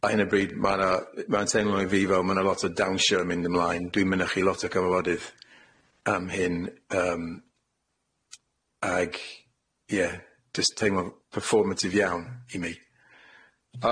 ar hyn o bryd ma'na, ma'n teimlo'n i fi fel ma'na lot o dawnsio yn mynd ymlaen dwi'n mynychu lot o gyfarfodydd am hyn yym ag ie jyst teimlo'n performative iawn i mi.